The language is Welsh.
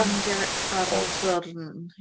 Bandiau ar y... Od ...dwrn.